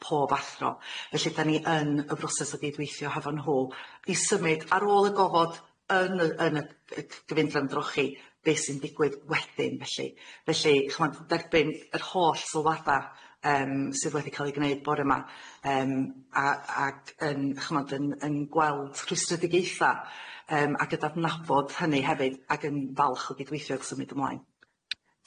pob athro felly 'dan ni yn y broses o gydweithio hefo nhw i symud ar ôl y gofod yn y yn y gyfundrefn drochi be sy'n digwydd wedyn felly, felly ch'bod derbyn yr holl sylwada yym sydd wedi ca'l ei gneud bore ma' yym a- ag yn ch'bod yn yn gweld rhwystredigaetha yym ag yn adnabod hynny hefyd ag yn falch o gydweithio wrth symud ymlaen.